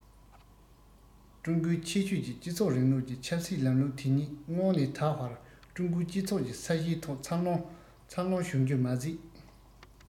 ཀྲུང གོའི ཁྱད ཆོས ཀྱི སྤྱི ཚོགས རིང ལུགས ཀྱི ཆབ སྲིད ལམ ལུགས དེ ཉིད སྔོན ནས ད བར ཀྲུང གོའི སྤྱི ཚོགས ཀྱི ས གཞིའི ཐོག འཚར ལོངས འཚར ལོངས ཡོང རྒྱུ མ ཟད